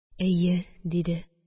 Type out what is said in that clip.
Әйе, – диде.